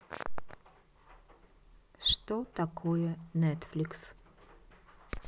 что такое нетфликс